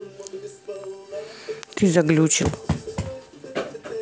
ты заглючил